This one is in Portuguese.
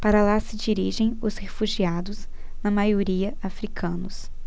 para lá se dirigem os refugiados na maioria hútus